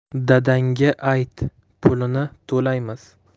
dadangga ayt pulini to'laymiz